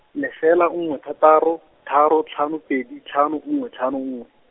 lefela nngwe thataro, tharo tlhano pedi tlhano nngwe tlhano nngwe.